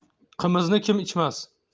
qimizni kim ichmas